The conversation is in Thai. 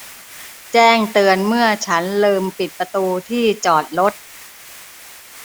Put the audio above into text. แจ้งเตือนเมื่อฉันลืมปิดประตูที่จอดรถ